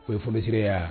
O ye folisiri ye a ?